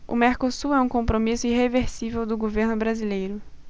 o mercosul é um compromisso irreversível do governo brasileiro